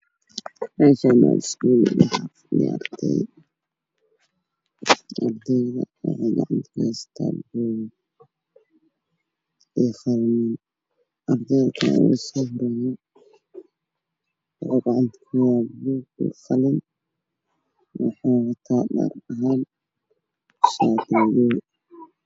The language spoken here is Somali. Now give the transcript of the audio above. Meeshaan waa iskuul waxaa joogo arday waxay wataan buug iyo qalin. Arday kale waxuu gacanta ku wataa buug iyo qalin. Iyo shaati madow.